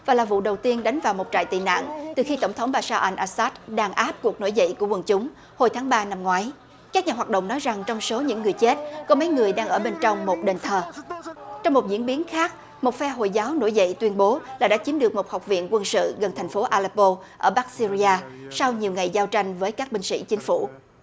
và là vụ đầu tiên đánh vào một trại tị nạn từ khi tổng thống ba sa an a sát đàn áp cuộc nổi dậy của quần chúng hồi tháng ba năm ngoái các nhà hoạt động nói rằng trong số những người chết có mấy người đang ở bên trong một đền thờ trong một diễn biến khác một phe hồi giáo nổi dậy tuyên bố đã đã chiếm được một học viện quân sự gần thành phố a la pô ở bắc sia ri a sau nhiều ngày giao tranh với các binh sĩ chính phủ